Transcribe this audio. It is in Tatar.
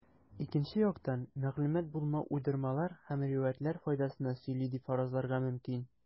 Икенче яктан, мәгълүмат булмау уйдырмалар һәм риваятьләр файдасына сөйли дип фаразларга мөмкин.